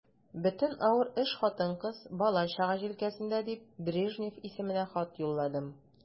Бөтен авыр эш хатын-кыз, бала-чага җилкәсендә дип, Брежнев исеменә хат юлладым.